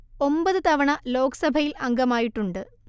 ഒമ്പത് തവണ ലോക് സഭയിൽ അംഗമായിട്ടുണ്ട്